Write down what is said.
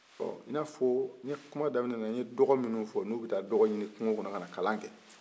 i n'a fɔ n ka kuma daminɛ na ne ye dɔgɔ minnu fɔ n'o bɛ dɔgɔ ɲini kungo kɔnɔ ka na kalan kɛ